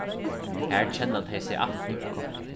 har kenna tey seg aftur